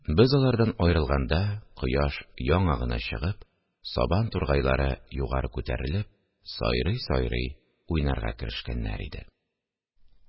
Без алардан аерылганда, кояш яңа гына чыгып, сабан тургайлары югары күтәрелеп, сайрый-сайрый уйнарга керешкәннәр иде